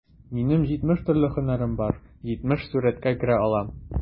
Минем җитмеш төрле һөнәрем бар, җитмеш сурәткә керә алам...